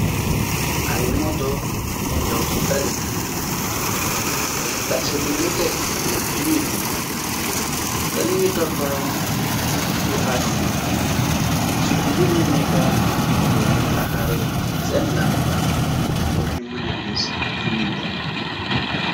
Ay moto ningae daw ci tali bi, benn taxse bu nete moo jiitu, ta ni ngi toppa ci rang bi, ci guddune neka mora ngi taxal seen lampa, purni mëna gis funi jem.